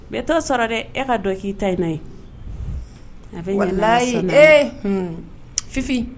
Mɛ to sɔrɔ dɛ e ka dɔn k'i ta i n'a ye a ye ee fifin